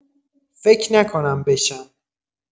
فک نکنم بشم